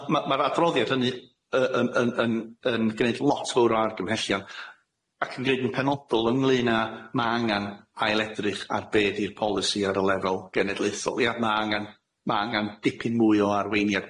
Ma' ma' ma' ma'r adroddiad hynny yy yn yn yn yn yn gneud lot fowr o argymhellion ac yn gneud yn penodol ynglŷn â ma' angan ail edrych ar be di'r polisi ar y lefel genedlaethol ia ma' angan ma' angan dipyn mwy o arweiniad,